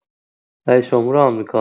رئیس‌جمهور آمریکا